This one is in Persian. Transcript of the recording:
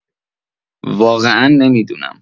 واقعا نمی‌دونم.